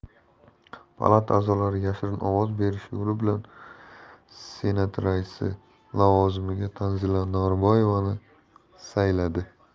palata a'zolari yashirin ovoz berish yo'li bilan senati raisi lavozimiga tanzila norboyevani sayladi